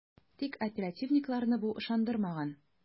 Тик оперативникларны бу ышандырмаган ..